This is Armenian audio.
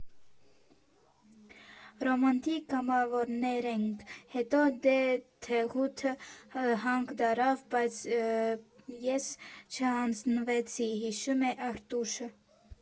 «Ռոմանտիկ կամավորներ էինք, հետո դե Թեղուտը հանք դառավ, բայց ես չհանձնվեցի», ֊ հիշում է Արտուշը։